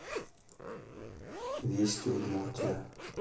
вести удмуртия